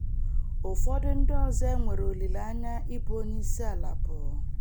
Ụfọdụ ndị ọzọ e nwere olileanya ịbụ onyeisiala bụ :